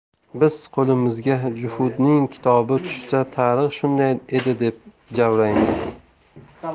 biz qo'limizga juhudning kitobi tushsa tarix shunday edi deb javraymiz